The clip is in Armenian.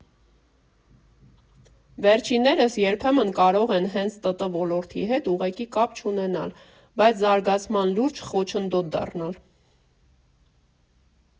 Վերջիններս երբեմն կարող են հենց ՏՏ ոլորտի հետ ուղղակի կապ չունենալ, բայց զարգացման լուրջ խոչընդոտ դառնալ.